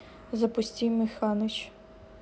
запусти миханыч